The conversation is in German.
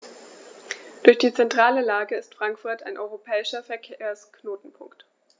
Durch die zentrale Lage ist Frankfurt ein europäischer Verkehrsknotenpunkt.